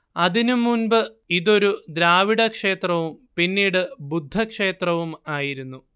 അതിനുമുൻപ് ഇതൊരു ദ്രാവിഡക്ഷേത്രവും പിന്നീട് ബുദ്ധക്ഷേത്രവും ആയിരുന്നു